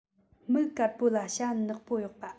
མི དཀར པོ ལ ཞྭ ནག པོ གཡོགས པ